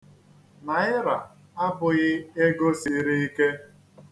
Naịra abụghị ego siri ike.